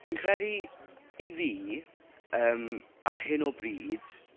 Fi'n credu i fi yym ar hyn o bryd...